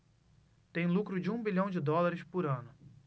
tem lucro de um bilhão de dólares por ano